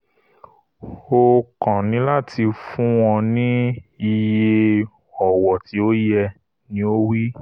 O kàn níláti fún wọn ní iye ọ̀wọ̀ tí ó yẹ, ni ó wí.